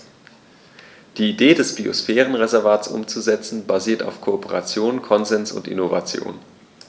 Die Idee des Biosphärenreservates umzusetzen, basiert auf Kooperation, Konsens und Innovation.